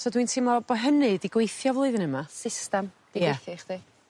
so dwi'n teimlo bo' hynny 'di gweithio flwyddyn yma. Systam... Ie. ...'di gweithio i chdi.